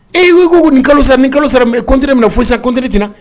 Ee u ko nin kalo san ni kalomt min na fo sisanɔnt ti